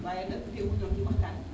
waaye nag teewul ñoom ñu waxtaan